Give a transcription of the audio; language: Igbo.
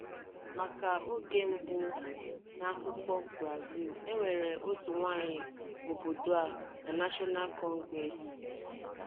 Maka oge mbụ n'akụkọ Brazil, e nwere otu nwaanyị obodo a na National Congress.